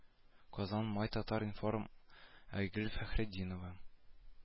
Казан май татар-информ айгөл фәхретдинова